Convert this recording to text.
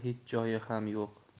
hech joyi ham yo'q